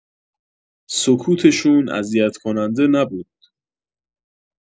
سکوتشون اذیت‌کننده نبود.